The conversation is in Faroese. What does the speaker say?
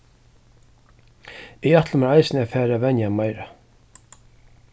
eg ætli mær eisini at fara at venja meira